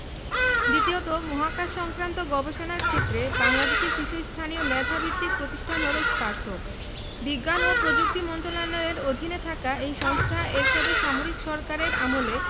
দ্বিতীয়ত মহাকাশসংক্রান্ত গবেষণার ক্ষেত্রে বাংলাদেশের শীর্ষস্থানীয় মেধাভিত্তিক প্রতিষ্ঠান হলো স্পারসো বিজ্ঞান ও প্রযুক্তি মন্ত্রণালয়ের অধীনে থাকা এই সংস্থা এরশাদের সামরিক সরকারের আমলে